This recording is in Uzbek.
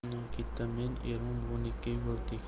uning ketidan men ermon buvanikiga yugurdik